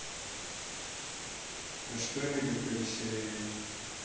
а что нибудь повеселее